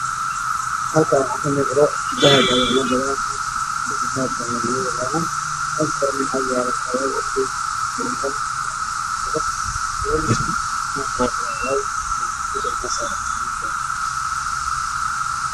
Halkaan dahab ayaa iiga muuqda